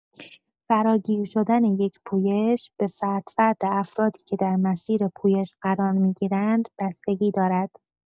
فراگیر شدن یک پویش، به فرد فرد افرادی که در مسیر پویش قرار می‌گیرند بستگی دارد.